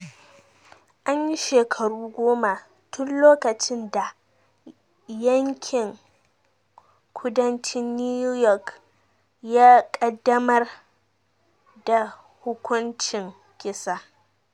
An yi shekaru goma tun lokacin da yankin kudancin New York ya kaddamar da hukuncin kisa.